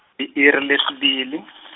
i-iri lesibili.